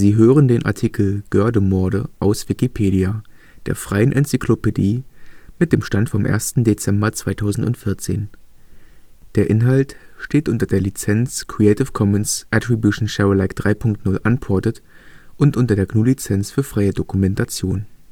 hören den Artikel Göhrde-Morde, aus Wikipedia, der freien Enzyklopädie. Mit dem Stand vom Der Inhalt steht unter der Lizenz Creative Commons Attribution Share Alike 3 Punkt 0 Unported und unter der GNU Lizenz für freie Dokumentation